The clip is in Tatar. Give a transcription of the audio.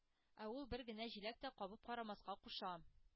Ә ул бер генә җиләк тә кабып карамаска куша,